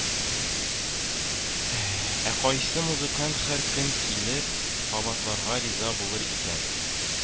Ә кайсы музыкант һәр көн килеп, кабатларга риза булыр икән